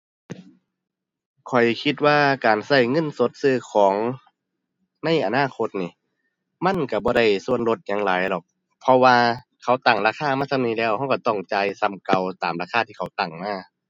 ข้อยคิดว่าการใช้เงินสดซื้อของในอนาคตนี่มันใช้บ่ได้ส่วนลดหยังหลายดอก เพราะว่าเขาตั้งราคามาส่ำนี้แล้ว ใช้ใช้ต้องจ่ายส่ำเก่าตามราคาที่เขาตั้งมา